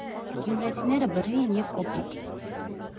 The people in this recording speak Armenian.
Գյումրեցիները բռի են և կոպիտ։